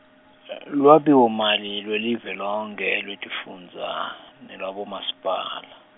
Lwabiwomali lwelive lonkhe lwetifundza, nelwabomasipala.